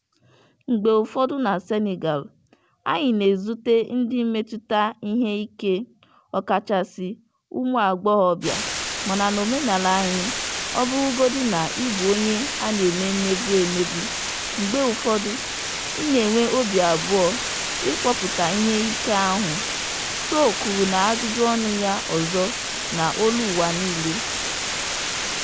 "Mgbe ụfọdụ na Senegal, anyị na-ezute ndị mmetụta ihe ike, ọkachasị ụmụagbọghọbịa, mana n'omenala anyị, ọ bụrụgodị na ị bụ onye a na-emegbu emegbu, mgbe ụfọdụ [ị] na-enwe obi abụọ ịkọpụta ihe ike ahụ," Sow kwuru n'ajụjụọnụ ya ọzọ na Global Voices.